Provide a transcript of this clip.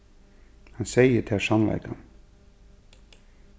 hann segði tær sannleikan